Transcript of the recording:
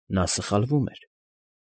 Նա սխալվում էր։